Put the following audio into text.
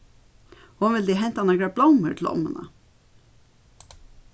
hon vildi henta nakrar blómur til ommuna